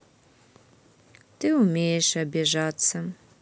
ты умеешь обижаться